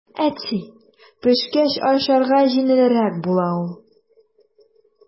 Әти, пешкәч ашарга җиңелрәк була ул.